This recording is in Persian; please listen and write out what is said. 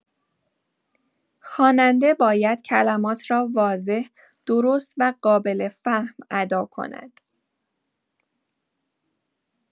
خواننده باید کلمات را واضح، درست و قابل‌فهم ادا کند.